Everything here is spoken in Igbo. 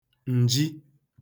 ǹji